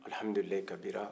alhamdulillah kabira